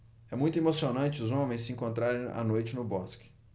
é muito emocionante os homens se encontrarem à noite no bosque